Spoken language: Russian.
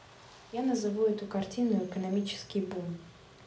я назову эту картину экономический бум